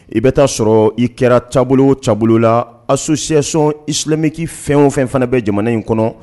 I bɛ taa sɔrɔ i kɛra taabolo taabolo la assɛsan i silamɛmɛki fɛn o fɛn fana bɛ jamana in kɔnɔ